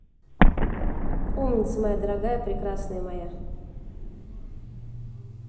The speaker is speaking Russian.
умница моя дорогая прекрасная моя